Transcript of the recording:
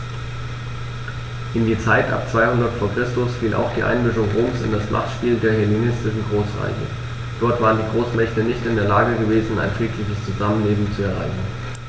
In die Zeit ab 200 v. Chr. fiel auch die Einmischung Roms in das Machtspiel der hellenistischen Großreiche: Dort waren die Großmächte nicht in der Lage gewesen, ein friedliches Zusammenleben zu erreichen.